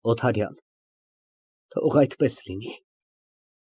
ՕԹԱՐՅԱՆ ֊ Թող այդպես լինի։